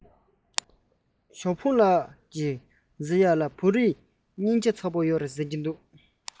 ཞའོ ཧྥུང ལགས ཟེར ཡས ལ བོད རིགས སྙིང རྗེ ཚ པོ ཡོད རེད ཟེར གྱིས རེད པས